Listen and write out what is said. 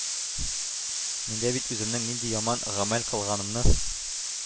Мин дә бит үземнең нинди яман гамәл кылганымны